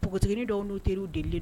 Npogot dɔw' teri deli de